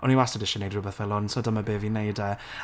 O'n i wastad isie wneud rwbeth fel hwn so dyma be fi'n wneud e.